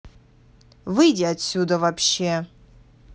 выйди отсюда вообще